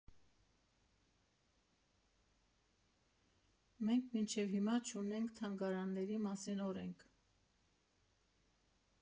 Մենք մինչև հիմա չունենք թանգարանների մասին օրենք։